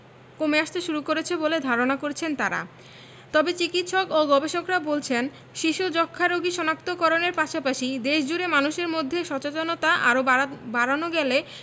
কমে আসতে শুরু করেছে বলে ধারণা করছেন তারা তবে চিকিৎসক ও গবেষকরা বলছেন শিশু যক্ষ্ণারোগী শনাক্ত করণের পাশাপাশি দেশজুড়ে মানুষের মধ্যে সচেতনতা আরও বাড়ানো গেলে